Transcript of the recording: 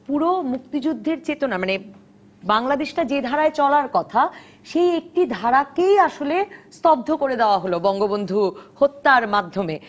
পুরো মুক্তিযুদ্ধের চেতনা মানে বাংলাদেশ টা যে ধারায় চলার কথা সেই একটি ধারাকেই আসলে স্তব্ধ করে দেয়া হলো বঙ্গবন্ধু হত্যার মাধ্যমে